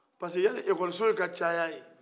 sabula kalanso ye ka caya ye